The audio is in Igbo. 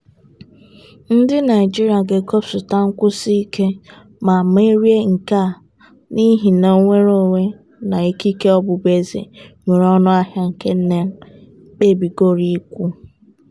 Ndị Naịjirịa ga-egosipụta nkwụsiike ma merie nke a n'ihi na nnwereonwe na ikike ọbụbụeze nwere ọnụ ahịa nke ha kpebigoro ịkwụ.